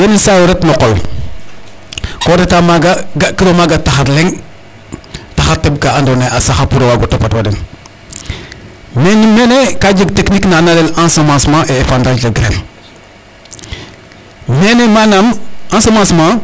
Mais souvent Saliou yenisay o ret no qol, koo reta maaga ga'kiro maaga taxar leŋ taxar teƥ ka andoona yee a saxa pour o waag o topatwa den .Mais mene ka jeg technique na na layel en semancement et épandage de graine mene manaam en semancement.